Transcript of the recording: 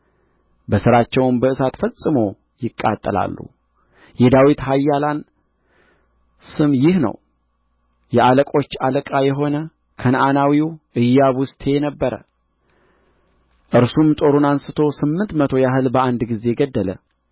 በሥራቸውም በእሳት ፈጽሞ ይቃጠላሉ የዳዊት ኃያላን ስም ይህ ነው የአለቆች አለቃ የሆነ ከነዓናዊው ኢያቡስቴ ነበረ እርሱም ጦሩን አንሥቶ ስምንት መቶ ያህል በአንድ ጊዜ ገደለ